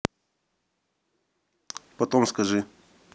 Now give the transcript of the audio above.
потом скажи